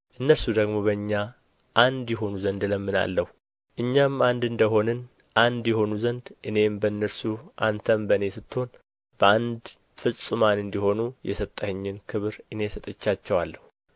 እነርሱ ደግሞ በእኛ አንድ ይሆኑ ዘንድ እለምናለሁ እኛም አንድ እንደ ሆንን አንድ ይሆኑ ዘንድ እኔም በእነርሱ አንተም በእኔ ስትሆን በአንድ ፍጹማን እንዲሆኑ የሰጠኸኝን ክብር እኔ ሰጥቻቸዋለሁ